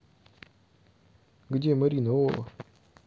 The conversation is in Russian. где марина ооо